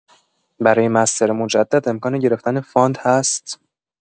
برای مستر مجدد امکان گرفتن فاند هست؟